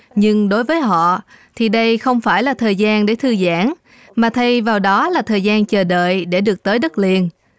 nhưng đối với họ thì đây không phải là thời gian để thư giãn mà thay vào đó là thời gian chờ đợi để được tới đất liền